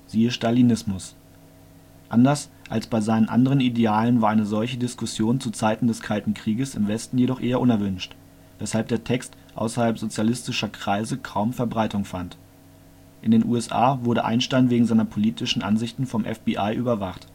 Stalinismus). Anders als bei seinen anderen Idealen war eine solche Diskussion zu Zeiten des kalten Krieges im Westen jedoch eher unerwünscht, weshalb der Text außerhalb sozialistischer Kreise kaum Verbreitung fand. In den USA wurde Einstein wegen seiner politischen Ansichten vom FBI überwacht